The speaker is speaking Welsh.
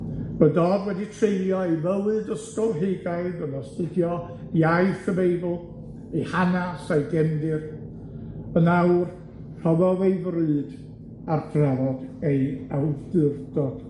Roedd Dodd wedi treulio ei fywyd ysgolheigaidd yn astudio iaith y Beibl, ei hanas a'i gefndir, yn awr rhoddodd ei fryd ar drafod ei awdurdod.